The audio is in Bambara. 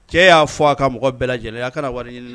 Cɛ y'a fɔ a ka mɔgɔ bɛɛ lajɛlen a kana